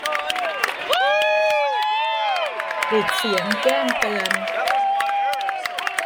ปิดเสียงแจ้งเตือน